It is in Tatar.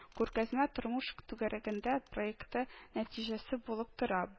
Күргәзмә “Тормыш түгәрәгендә” проекты нәтиҗәсе булып тора